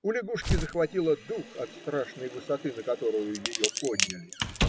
У лягушки захватило дух от страшной высоты, на которую ее подняли